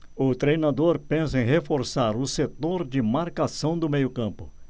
o treinador pensa em reforçar o setor de marcação do meio campo